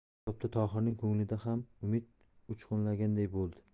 shu topda tohirning ko'nglida ham umid uchqunlaganday bo'ldi